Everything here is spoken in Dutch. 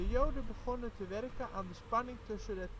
joden begonnen te werken aan de spanning tussen het